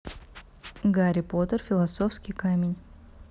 гарри поттер философский камень